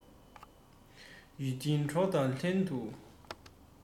ཡིད མཐུན གྲོགས དང ལྷན ཏུ